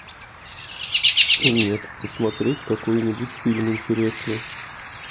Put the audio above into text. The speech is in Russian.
нет посмотреть какой нибудь фильм интересный